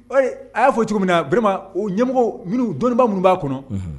A y'a fɔ o cogo min na vraiment o ɲɛmɔgɔw minnu dɔnnibagaw minnu b'a kɔnɔ